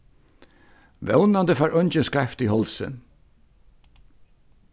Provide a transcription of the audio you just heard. vónandi fær eingin skeivt í hálsin